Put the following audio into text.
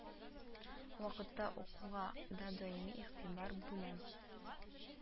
Вакытта укуга да даими игътибар бүләм